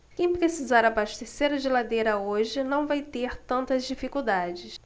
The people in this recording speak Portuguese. quem precisar abastecer a geladeira hoje não vai ter tantas dificuldades